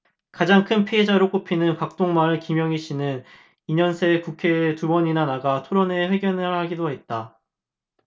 가장 큰 피해자로 꼽히는 각동마을 김영희씨는 이 년 새 국회에 두 번이나 나가 토론회 회견을 하기도 했다